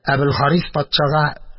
Әбелхарис патшага